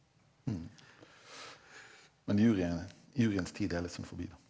men juryens tid er litt sånn forbi da.